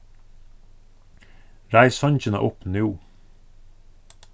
reið songina upp nú